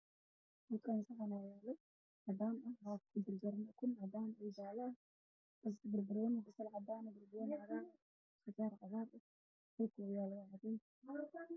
Meshan waxaa yaalo saxan cadaan waxaa ku jiro qudaar cagaaran